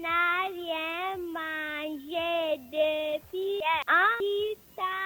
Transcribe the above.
Na ye ma ye leki ye a sa